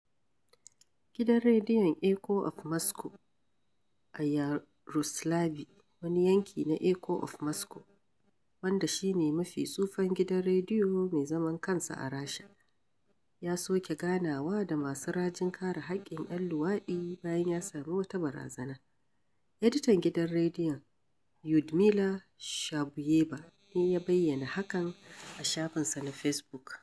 Gidan rediyon Eecho of Moscow a Yyaroslaɓi, wani yanki na Echo of Moscow, wanda shi ne mafi tsufan gidan rediyo mai zaman kansa a Rasha, ya soke ganawa da masu rajin kare haƙƙin 'yan luwaɗi bayan ya sami wata barazana, editan gidan rediyon, Lyudmila Shabuyeɓa ne ya bayyana hakan a shafinsa na Fesbuk: